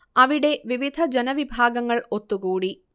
അവിടെ വിവിധ ജനവിഭാഗങ്ങൾ ഒത്തുകൂടി